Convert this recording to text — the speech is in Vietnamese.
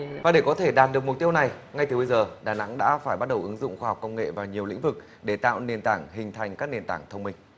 và để có thể đạt được mục tiêu này ngay từ bây giờ đà nẵng đã phải bắt đầu ứng dụng khoa học công nghệ vào nhiều lĩnh vực để tạo nền tảng hình thành các nền tảng thông minh